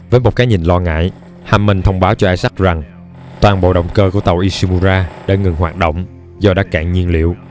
với một cái nhìn lo ngại hammond thông báo cho isaac rằng toàn bộ động cơ của tàu ishimura đã ngừng hoạt động do đã cạn nhiên liệu